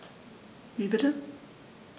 Wie bitte?